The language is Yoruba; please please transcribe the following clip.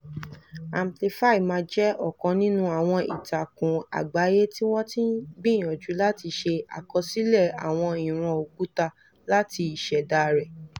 Amplify.ma jẹ́ ọ̀kan nínú àwọn ìtakùn àgbáyé tí wọ́n ti ń gbìyànjú láti ṣe àkọsílẹ̀ àwọn ìran òkúta láti ìṣẹ̀dá rẹ̀.